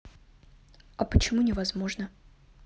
а почему невозможно